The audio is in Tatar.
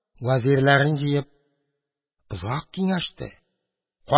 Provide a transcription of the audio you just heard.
Вәзирләрен җыеп, озак киңәште.